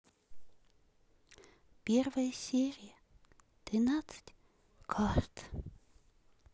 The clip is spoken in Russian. первая серия тринадцать карт